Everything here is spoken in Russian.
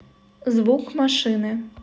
звук машины